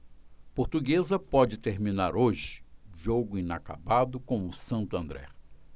portuguesa pode terminar hoje jogo inacabado com o santo andré